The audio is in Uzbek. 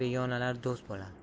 begonalar do'st bo'lar